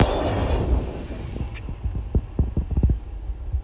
десять самых ядовитых змей на планете